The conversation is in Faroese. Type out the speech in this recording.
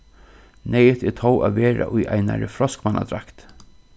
neyðugt er tó at vera í einari froskmannadrakt